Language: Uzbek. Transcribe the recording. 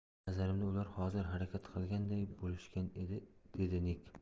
nazarimda ular hozir harakat qilganday bo'lishgan edi dedi nig